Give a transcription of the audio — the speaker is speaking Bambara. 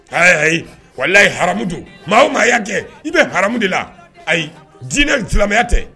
Walahi haramu de don, maa o maa y'a kɛ, i bɛ haramu de la, ayi diinɛ silamɛya tɛ